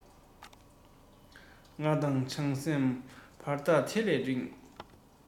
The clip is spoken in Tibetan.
ང དང བྱང སེམས བར ཐག དེ ལས རིང